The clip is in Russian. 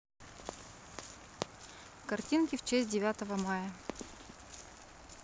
картинки в честь девятого мая